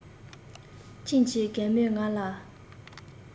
ཁྱིམ གྱི རྒན མོས ང ལ